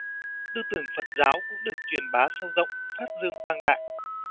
tư tưởng phật giáo cũng được truyền bá sâu rộng phát dương quang đại